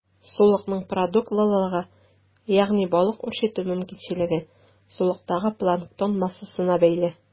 Сулыкның продуктлылыгы, ягъни балык үрчетү мөмкинчелеге, сулыктагы планктон массасына бәйле.